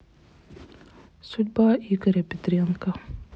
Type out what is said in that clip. судьба игоря петренко